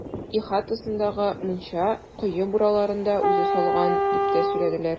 Ихатасындагы мунча, кое бураларын да үзе салган, дип тә сөйлиләр.